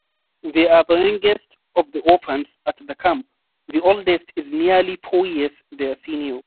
They are the youngest of the orphans at the camp; the oldest is nearly four years their senior.